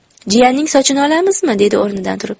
jiyanning sochini olamizmi dedi o'rnidan turib